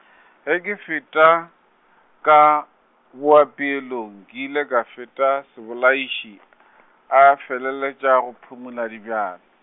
ge ke feta, ka boapeelong ke ile ka feta Sebolaiši , a feleletša go phumola dibja.